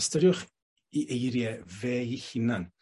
Ystyriwch 'i eirie fe 'i hunan.